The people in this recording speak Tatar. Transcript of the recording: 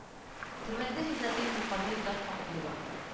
Хөрмәтле ризаэддин бу камил зат акмулла